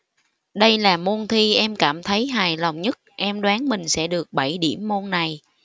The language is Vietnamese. đây là môn thi em cảm thấy hài lòng nhất em đoán mình sẽ được bảy điểm môn này